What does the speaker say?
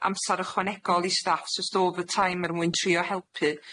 amsar ychwanegol i staff, so jys' overtime er mwyn trio helpu,